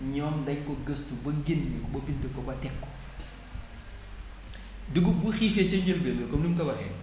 ñoom dañ ko gëstu ba génn ba bind ko ba teg ko dugub bu xiifee ca njëlbeen ga comme ni mu ko waxee